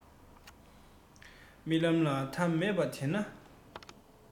རྨི ལམ ལ མཐའ མེད པ བདེན ན